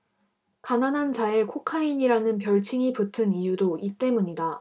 가난한 자의 코카인이라는 별칭이 붙은 이유도 이 때문이다